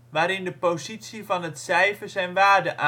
waarin de positie van het cijfer zijn waarde